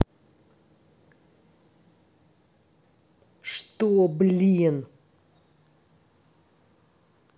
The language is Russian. что блин